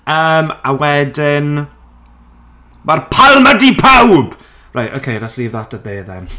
Yym, a wedyn mae'r palmant i pawb! Right, OK let's leave that at there then.